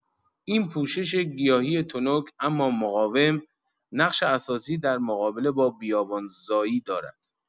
این پوشش گیاهی تنک اما مقاوم، نقش اساسی در مقابله با بیابان‌زایی دارد.